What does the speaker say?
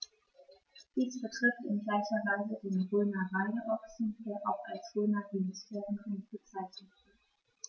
Dies betrifft in gleicher Weise den Rhöner Weideochsen, der auch als Rhöner Biosphärenrind bezeichnet wird.